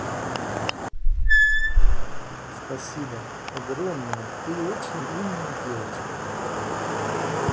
спасибо огромная ты очень умная девочка